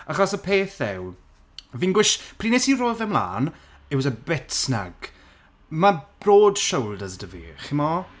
Achos y peth yw fi'n gwish- pryd wnes i roi fe 'mlaen it was a bit snug ma' broad shoulders 'da fi chimo?